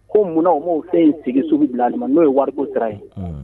Ko munna mɔgɔw fɛn in sigisubi bila a ma n'o ye wariko sira ye